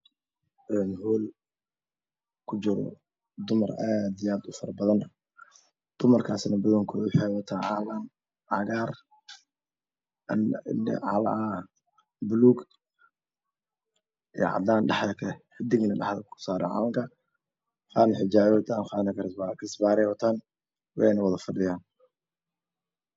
Hool ku jiro dumar aad iyo aad ufara badan dumarkaas badan kood waxey wataan calan puulg cadaan dhaxda ka ah xidigan waxey wataan xijaaapo qaarna qey fadhiyaaan